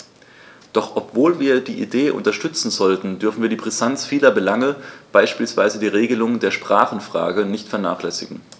Doch obwohl wir die Idee unterstützen sollten, dürfen wir die Brisanz vieler Belange, beispielsweise die Regelung der Sprachenfrage, nicht vernachlässigen.